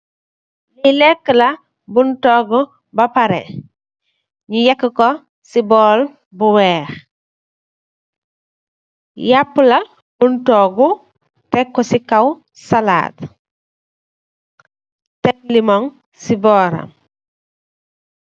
Li leka la bung togu ba pareh nyu yeka ko si bowl bu weex yaapa la bung togu tecko so si kaw salad teg lemon si boram.